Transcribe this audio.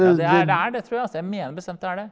det er det trur jeg altså, jeg mener bestemt det er det.